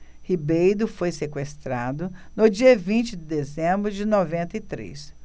ribeiro foi sequestrado no dia vinte de dezembro de noventa e três